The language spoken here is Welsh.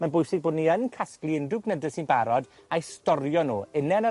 ma'n bwysig bod ni yn casglu unryw gnyde sy'n barod, au storio nw. Une yn yr